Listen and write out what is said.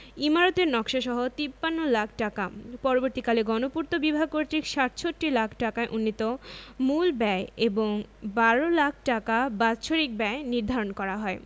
ইমারতের নকশাসহ ৫৩ লাখ টাকা পরবর্তীকালে গণপূর্ত বিভাগ কর্তৃক ৬৭ লাখ ঢাকায় উন্নীত মূল ব্যয় এবং ১২ লাখ টাকা বাৎসরিক ব্যয় নির্ধারণ করা হয়